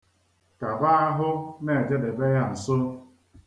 Kaba ahụ na-ejedebe ya nso!